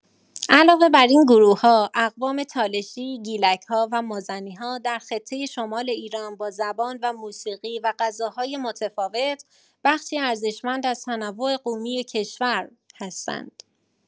علاوه بر این گروه‌ها، اقوام تالشی، گیلک‌ها و مازنی‌ها در خطه شمال ایران با زبان و موسیقی و غذاهای متفاوت، بخشی ارزشمند از تنوع قومی کشور هستند.